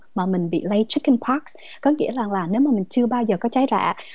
mà mình bị lây chết kinh bác có nghĩa rằng là nếu mà mình chưa bao giờ có trái rạ